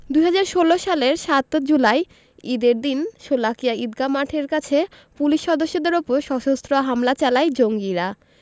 ২০১৬ সালের ৭ জুলাই ঈদের দিন শোলাকিয়া ঈদগাহ মাঠের কাছে পুলিশ সদস্যদের ওপর সশস্ত্র হামলা চালায় জঙ্গিরা